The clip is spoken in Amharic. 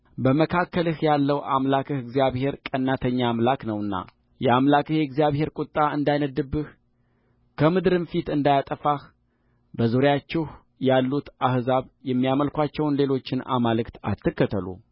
በመካከልህ ያለው አምላክህ እግዚአብሔር ቀናተኛ አምላክ ነውና የአምላክህ የእግዚአብሔር ቍጣ እንዳይነድድብህ ከምድርም ፊት እንዳያጠፋህ በዙሪያችሁ ያሉት አሕዛብ የሚያመልኩአቸውን ሌሎችን አማልክት አትከተሉ